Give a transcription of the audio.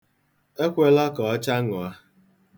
Ekwela ka ọ chaṅụọ